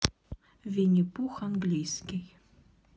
винни пух английский